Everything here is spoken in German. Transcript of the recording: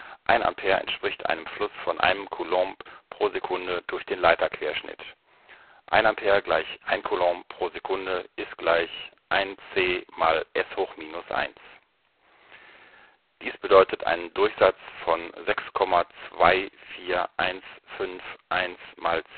Ein Ampere entspricht einem Fluss von 1 Coulomb pro Sekunde durch den Leiterquerschnitt: 1 Ampere = 1 Coulomb / Sekunde 1 A = 1 C/s = 1 C·s-1 Dies bedeutet einen Durchsatz von 6,24151·1018